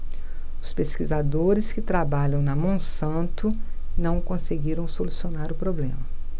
os pesquisadores que trabalham na monsanto não conseguiram solucionar o problema